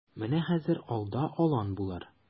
Менә хәзер алда алан булыр.